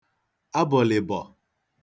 abụ̀lị̀bọ̀